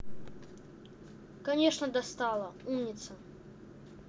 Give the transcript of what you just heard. конечно достала умница